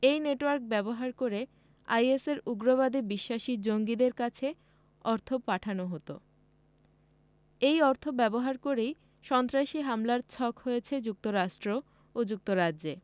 এই নেটওয়ার্ক ব্যবহার করে আইএসের উগ্রবাদে বিশ্বাসী জঙ্গিদের কাছে অর্থ পাঠানো হতো এই অর্থ ব্যবহার করেই সন্ত্রাসী হামলার ছক হয়েছে যুক্তরাষ্ট্র ও যুক্তরাজ্যে